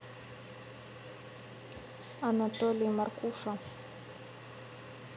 анатолий маркуша